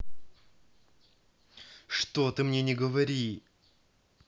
что ты мне не говори